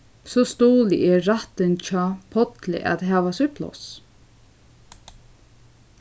so stuðli eg rættin hjá pálli at hava sítt pláss